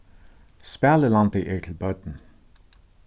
spælilandið er til børn